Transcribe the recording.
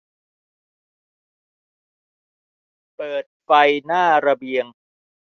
เปิดไฟหน้าระเบียง